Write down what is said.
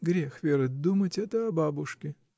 Грех, Вера, думать это о бабушке.